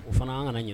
O fana an kana ɲinin